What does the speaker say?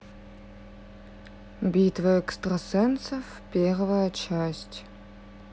битва экстрасенсов первая часть